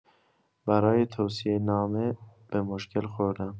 برای توصیه‌نامه به مشکل خوردم.